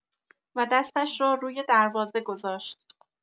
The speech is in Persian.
و دستش را روی دروازه گذاشت.